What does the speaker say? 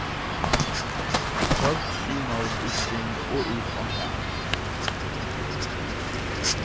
fólk skimaðust íkring og út á hav